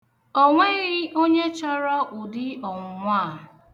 O nweghị onye chọrọ ụdị ọnwụnwa a.